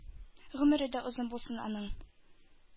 Гомере дә озын булсын аның,